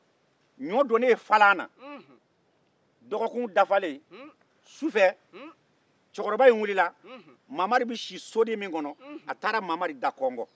dɔgɔkun dafalen cɛkɔrɔba in wulila su fɛ ka taa mamari siso da kɔnkɔn